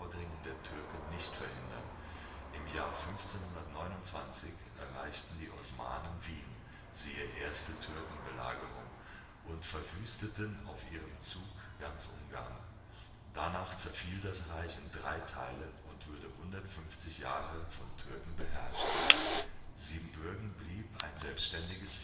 der Türken nicht verhindern. Im Jahr 1529 erreichten die Osmanen Wien (siehe Erste Türkenbelagerung) und verwüsteten auf ihrem Zug ganz Ungarn. Danach zerfiel das Reich in drei Teile und wurde 150 Jahre von Türken beherrscht. Siebenbürgen blieb ein selbstständiges